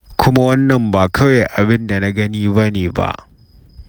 Kuma wannan ba kawai abin da na gani ne ba.